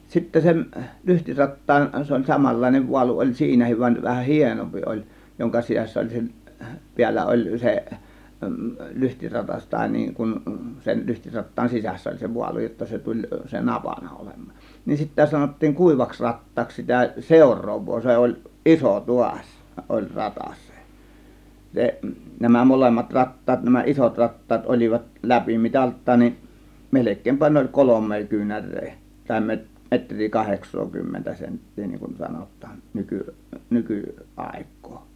sitten sen lyhtirattaan se oli samanlainen vaalu oli siinäkin vaan vähän hienompi oli jonka sisässä oli se päällä oli se lyhtiratas tai niin kuin sen lyhtirattaan sisässä oli se vaalu jotta se tuli se napana olemaan niin sitten sanottiin kuivaksi rattaaksi sitä seuraavaa se oli iso taas oli ratas se se nämä molemmat rattaat nämä isot rattaat olivat läpimitaltaan niin melkeinpä ne oli kolme kyynärää tai - metriä kahdeksankymmentä senttiä niin kuin sanotaan -- nykyaikaa